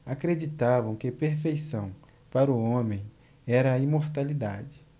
acreditavam que perfeição para o homem era a imortalidade